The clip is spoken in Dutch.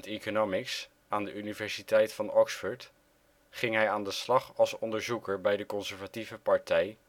Economics aan de Universiteit van Oxford ging hij aan de slag als onderzoeker bij de Conservatieve Partij